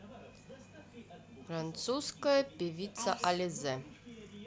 французская певица alize